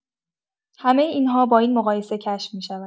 همه این‌ها با این مقایسه کشف می‌شود.